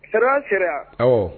Sira sera aw